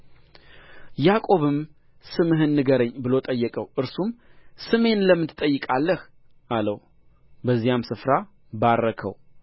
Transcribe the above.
ያዕቆብም ስምህን ንገረኝ ብሎ ጠየቀው እርሱም ስሜን ለምን ትጠይቃለህ አለው በዚያም ስፍራ ባረከው